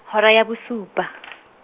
hora ya bosupa .